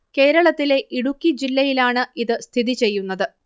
കേരളത്തിലെ ഇടുക്കി ജില്ലയിലാണ് ഇത് സ്ഥിതി ചെയ്യുന്നത്